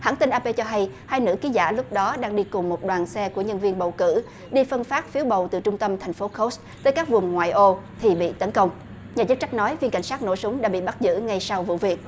hãng tin a pê cho hay hai nữ ký giả lúc đó đang đi cùng một đoàn xe của nhân viên bầu cử đi phân phát phiếu bầu từ trung tâm thành phố cốt tới các vùng ngoại ô thì bị tấn công nhà chức trách nói viên cảnh sát nổ súng đã bị bắt giữ ngay sau vụ việc